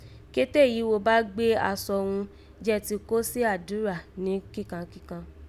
Kété yìí wo bá ti gbé aṣọ ghun, jẹ́ ti kó sí àdúrà ní kíkankíkan